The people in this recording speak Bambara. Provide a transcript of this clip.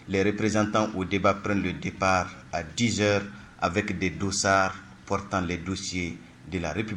les représentants au débas prennent le départ à 10 heures avec le dossard portant les dossiers de la réplique